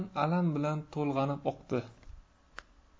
alam bilan to'lg'anib oqdi